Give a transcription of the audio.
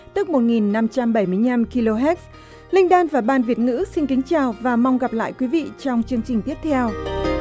tức một nghìn năm trăm bảy mươi nhăm ki lô héc linh đan và ban việt ngữ xin kính chào và mong gặp lại quý vị trong chương trình tiếp theo